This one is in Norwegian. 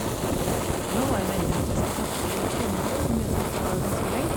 Nå er det meningen at jeg skal snakke i to minutter, som jeg synes er ganske lenge.